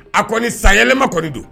A kɔni sanyɛlɛma kɔni don.